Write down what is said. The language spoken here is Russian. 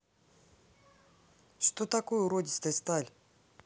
что такое уродистая сталь